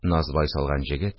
Насвай салган җегет